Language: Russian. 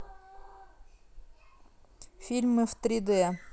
фильмы в три дэ